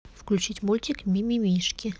включить мультик ми ми мишки